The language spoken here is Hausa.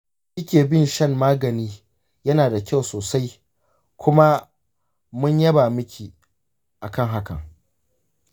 yanda kike bin shan magani yana da kyau sosai kuma mun yaba miki akan hakan.